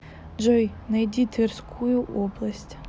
джой найди тверскую область